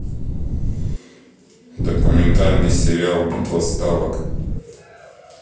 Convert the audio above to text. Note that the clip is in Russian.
документальный сериал битва ставок